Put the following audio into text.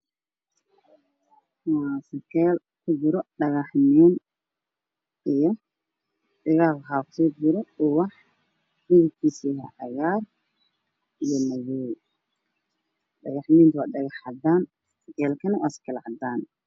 Waa sekeel caddaan waxaa ku jira dhagax midabkiisu yahay caddaan waxaa ka suran ubax midabkiisu yahay cagaar dhulka waa madow